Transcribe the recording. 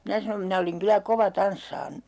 minä sanon minä olin kyllä kova tanssaamaan